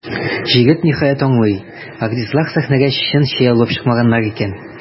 Җегет, ниһаять, аңлый: артистлар сәхнәгә чын чәй алып чыкмаганнар икән.